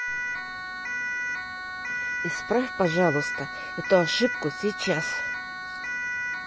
исправь пожалуйста эту ошибку сейчас